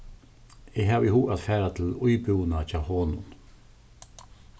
eg havi hug at fara til íbúðina hjá honum